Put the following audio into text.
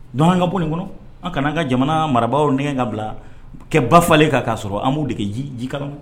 Non an ka bɔ nin kɔnɔ a kana an ka jamana marabagw nɛgɛ ka bila kɛ bafalen kan ka sɔrɔ a m’u dege ji kalan na.